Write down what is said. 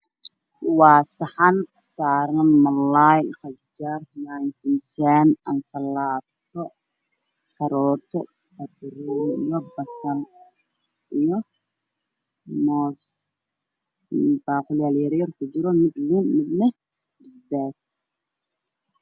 Waa saxan saaran malaay karooto midabkiisu waa caddaan koobsiga ku jirta ayaa ag yaalo miiska oo caddaan